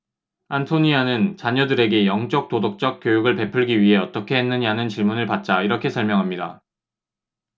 안토니아는 자녀들에게 영적 도덕적 교육을 베풀기 위해 어떻게 했느냐는 질문을 받자 이렇게 설명합니다